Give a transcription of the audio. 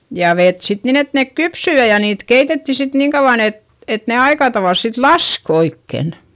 ja vettä sitten niin että ne kypsyi ja ja niitä keitettiin sitten niin kauan että että ne aika tavalla sitten laski oikein